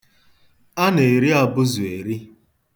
A na-eri abụzụ eri.